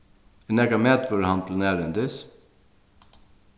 er nakar matvøruhandil nærhendis